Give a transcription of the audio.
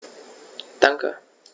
Danke.